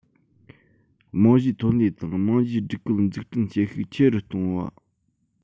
རྨང གཞིའི ཐོན ལས དང རྨང གཞིའི སྒྲིག བཀོད འཛུགས སྐྲུན བྱེད ཤུགས ཆེ རུ གཏོང བ